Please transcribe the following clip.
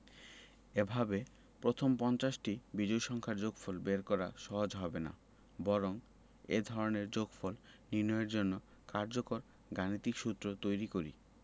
এভাবে প্রথম পঞ্চাশটি বিজোড় সংখ্যার যোগফল বের করা সহজ হবে না বরং এ ধরনের যোগফল নির্ণয়ের জন্য কার্যকর গাণিতিক সূত্র তৈরি করি